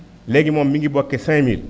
léegi moom mi ngi bokkee 5000